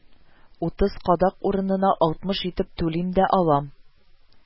Утыз кадак урынына алтмыш итеп түлим дә, алам